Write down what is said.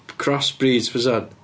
Crossbreeds, bysen?